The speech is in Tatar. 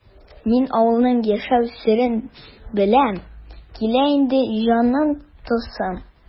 Мин авылның яшәү серен беләм, килә инде җанын тоясым!